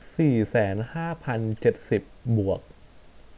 สี่แสนห้าพันเจ็ดสิบบวก